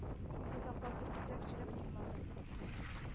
Озаклап, бөртекләп сөйләп тормады,